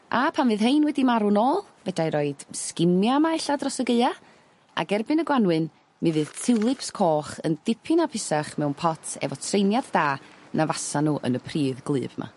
A pan fydd 'hein wedi marw nôl fedrai roid skimmia 'ma e'lla dros y Gaea ag erbyn y Gwanwyn mi fydd tulips coch yn dipyn upusach mewn pot efo treiniad da na fasa n'w yn y pridd gwlyb 'ma.